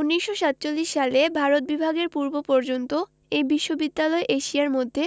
১৯৪৭ সালে ভারত বিভাগের পূর্বপর্যন্ত এ বিশ্ববিদ্যালয় এশিয়ার মধ্যে